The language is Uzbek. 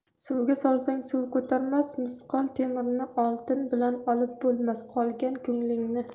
suvga solsang suv ko'tarmas misqol temirni oltin bilan olib bo'lmas qolgan ko'ngilni